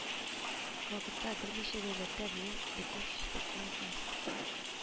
Вакытта, берничә дәүләттә бүген бөтен кешелек дөньясын